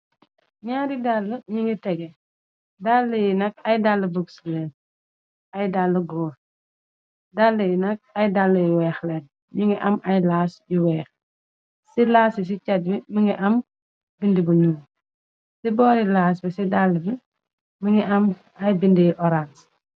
Nyaari dàll ñi ngi tege dall yi nak ay dall boxleen ay dall gore dall yi nak ay dall yu weexleen ñi ngi am ay laas yu weex ci laas yi ci cat bi mi ngi am bind bu ñuu ci boori laas bi ci dàll bi mingi am ay bindy orance.